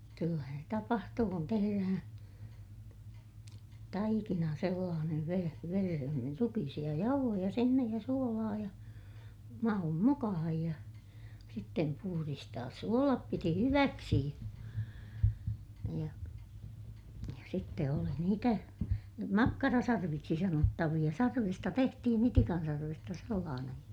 kyllähän se tapahtuu kun tehdään taikina sellainen - vereen niin rukiisia jauhoja sinne ja suolaa ja maun mukaan ja sitten puhdistaa suolet piti hyväksi ja sitten oli niitä makkarasarviksi sanottavia sarvista tehtiin itikan sarvesta sellainen ja